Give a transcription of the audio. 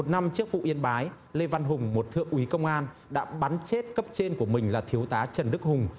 năm trước vụ yên bái lê văn hùng một thượng úy công an đã bắn chết cấp trên của mình là thiếu tá trần đức hùng